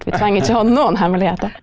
vi trenger ikke ha noen hemmeligheter.